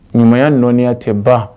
Ɲumanya nɔya tɛ ban